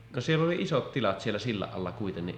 no siellä oli isot tilat siellä sillan alla kuitenkin